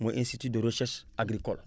mooy institut de recherche agricole